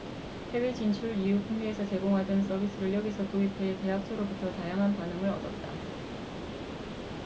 해외 진출 이후 국내에서 제공하던 서비스를 여기서 도입해 계약처로부터 다양한 반응을 얻었다